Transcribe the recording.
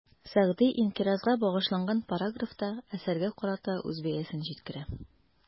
Сәгъди «инкыйраз»га багышланган параграфта, әсәргә карата үз бәясен җиткерә.